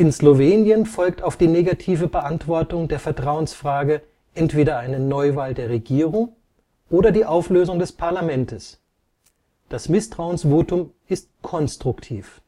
Slowenien folgt auf die negative Beantwortung der Vertrauensfrage entweder eine Neuwahl der Regierung oder die Auflösung des Parlamentes. Das Misstrauensvotum ist konstruktiv